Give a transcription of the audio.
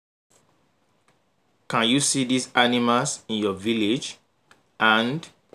Can you see these animals in your village?, and